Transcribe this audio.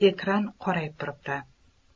ekran qorayib turibdi